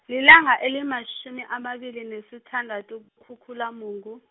lilanga elimatjhumi amabili nesithandathu kuKhukhulamungu.